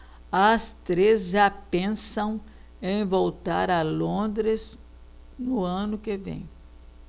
as três já pensam em voltar a londres no ano que vem